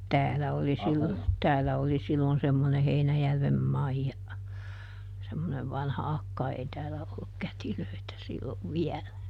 täällä oli silloin täällä oli silloin semmoinen Heinäjärven Maija semmoinen vanha akka ei täällä ollut kätilöitä silloin vielä